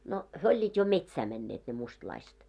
no he olivat jo metsään menneet ne mustalaiset